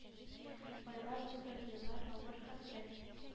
Айлар түгел, еллар... авыр хәсрәт